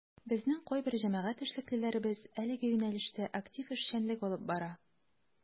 Безнең кайбер җәмәгать эшлеклеләребез әлеге юнәлештә актив эшчәнлек алып бара.